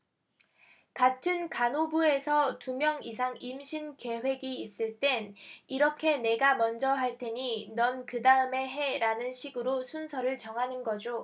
같은 간호부에서 두 명 이상 임신 계획이 있을 땐 이렇게 내가 먼저 할 테니 넌 그다음에 해라는 식으로 순서를 정하는 거죠